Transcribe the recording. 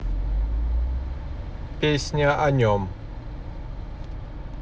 песня о нем